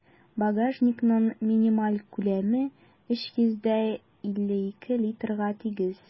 Багажникның минималь күләме 322 литрга тигез.